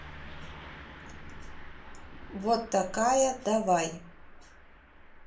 вот такая давай